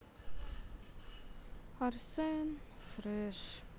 арсен фрэш